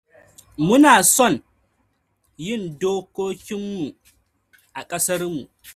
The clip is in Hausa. Mu na son yin dokokinmu a ƙasar mu.’'